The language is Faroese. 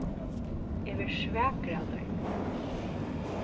eg verði svakur av tær